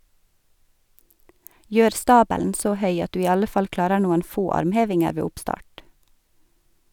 Gjør stabelen så høy at du i alle fall klarer noen få armhevinger ved oppstart.